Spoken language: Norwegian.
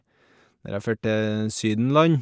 Der jeg fær til sydenland.